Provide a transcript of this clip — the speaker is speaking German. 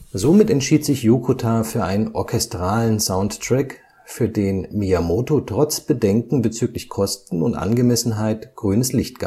Somit entschied sich Yokota für einen orchestralen Soundtrack, für den Miyamoto trotz Bedenken bezüglich Kosten und Angemessenheit grünes Licht